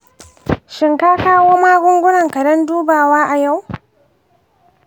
shin ka kawo magungunanka don dubawa a yau?